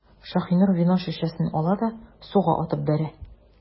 Шаһинур вино шешәсен ала да суга атып бәрә.